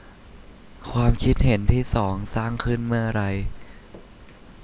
ความคิดเห็นที่สองสร้างขึ้นเมื่อไร